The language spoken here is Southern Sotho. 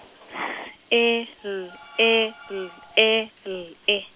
S E L E L E L E.